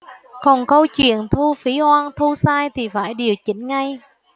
còn câu chuyện thu phí oan thu sai thì phải điều chỉnh ngay